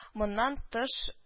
Моннан тыш